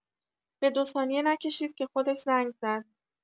به دو ثانیه نکشید که خودش زنگ زد!